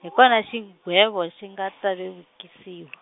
hi kona xigwevo xi nga ta vevukisiwa.